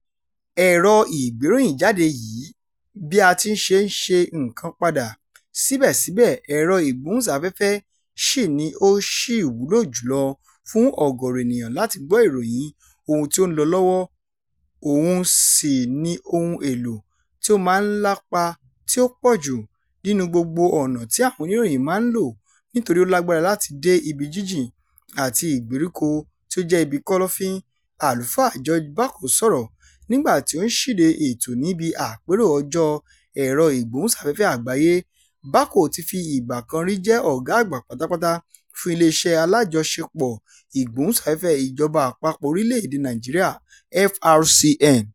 "Ẹ̀rọ ìgbéròyìnjáde ń yí bí a ti ṣe ń ṣe nǹkan padà, síbẹ̀síbẹ̀ ẹ̀rọ-ìgbóhùnsáfẹ́fẹ́ ṣì ni ó ṣì wúlò jù lọ fún ọ̀gọ̀rọ̀ ènìyàn láti gbọ́ ìròyìn ohun tí ó ń lọ lọ́wọ́, òhun ṣì ni ohun èlò tí ó máa ń lapa tí ó pọ̀ jù nínúu gbogbo ọ̀nà tí àwọn oníròyìn máa ń lò nítorí ó lágbára láti dé ibi jínjìn àti ìgbèríko tí ó jẹ́ ibi kọ́lọ́fín… " Àlùfáà George Bako sọ̀rọ̀, nígbà tí ó ń ṣíde ètò níbi Àpérò Ọjọ́ Ẹ̀rọ-ìgbóhùnsáfẹ́fẹ́ Àgbáyé. Bako ti fi ìgbà kan rí jẹ́ Ọ̀gá-Àgbà pátápátá fún Iléeṣẹ́ Alájọṣepọ̀ Ìgbóhùnsáfẹ́fẹ́ Ìjọba Àpapọ̀ Orílẹ̀-èdèe Nàìjíríà (FRCN).